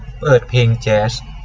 เปิดเพลงแจ๊ส